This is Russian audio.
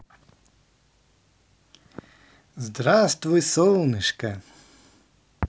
здравствуй солнышко